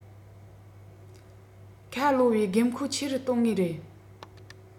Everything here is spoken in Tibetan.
ཁོ ལོ བའི དགོས མཁོ ཆེ རུ གཏོང ངེས རེད